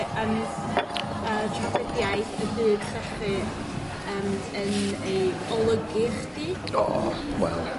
yym yy trafidiaeth y byd llechi yym yn ei olygu i chdi? O, wel,